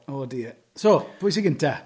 O dear, so pwy sy'n gyntaf?